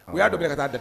U y'a don kɛ ka taaa